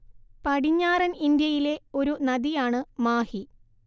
പടിഞ്ഞാറൻ ഇന്ത്യയിലെ ഒരു നദിയാണ് മാഹി